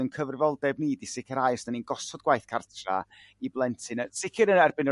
yn cyfrifoldeb ni 'di sicrhau os 'da ni'n gosod gwath cartra' i blentyn a sicr yn erbyn yr